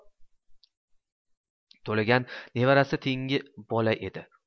to'lagan nevarasi tenggi bola edi